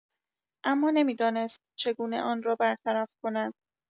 اما نمی‌دانست چگونه آن را برطرف کند.